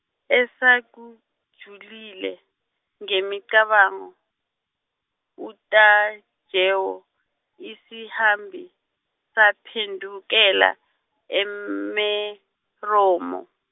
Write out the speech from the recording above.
esakujulile ngemicabango, uTajewo, isihambi, saphendukela, eMeromo.